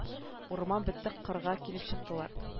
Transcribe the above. Урман бетте кырга килеп чыктылар